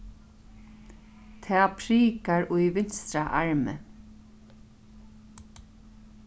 tað prikar í vinstra armi